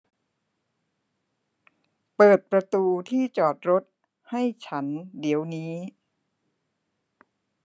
เปิดประตูที่จอดรถให้ฉันเดี๋ยวนี้